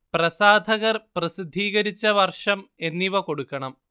പ്രസാധകർ പ്രസിദ്ധീകരിച്ച വർഷം എന്നിവ കൊടുക്കണം